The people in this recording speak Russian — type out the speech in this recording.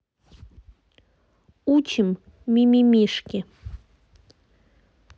учим мимимишки